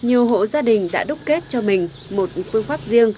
nhiều hộ gia đình đã đúc kết cho mình một phương pháp riêng